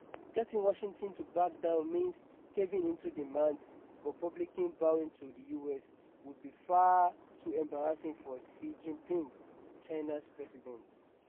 Getting Washington to back down means caving into demands, but publicly bowing to the US would be far too embarrassing for Xi Jinping, China's president.